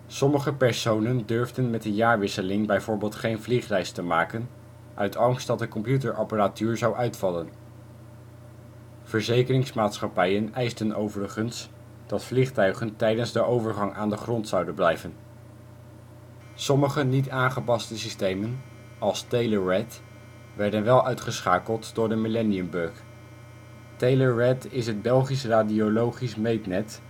Sommige personen durfden met de jaarwisseling bijvoorbeeld geen vliegreis te maken uit angst dat de computerapparatuur zou uitvallen. Verzekeringsmaatschappijen eisten overigens dat vliegtuigen tijdens de overgang aan de grond zouden blijven. Sommige niet-aangepaste systemen als TeleRad werden wel uitgeschakeld door de millenniumbug. (TeleRad is het Belgisch radiologisch meetnet